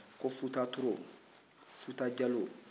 ko futa toro futa jalɔn